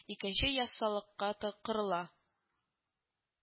Икенче яссылыкка та корыла